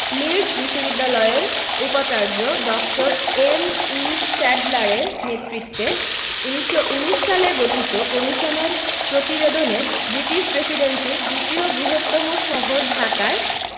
Leeds বিশ্ববিদ্যালয়ের উপাচার্য ড. এম.ই স্যাডলারের নেতৃত্বে ১৯১৯ সালে গঠিত কমিশনের প্রতিবেদনে ব্রিটিশ প্রেসিডেন্সির দ্বিতীয় বৃহত্তম শহর ঢাকায়